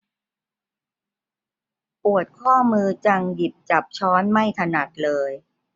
ปวดข้อมือจังหยิบจับช้อนไม่ถนัดเลย